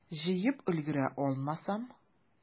Җыеп өлгерә алмасам?